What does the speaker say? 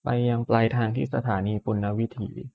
ไปยังปลายทางที่สถานีปุณณวิถี